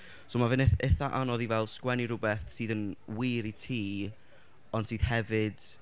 So mae fe'n eith- eithaf anodd i fel sgwennu rhywbeth sydd yn wir i ti, ond sydd hefyd...